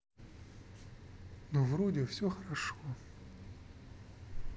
ну вроде все хорошо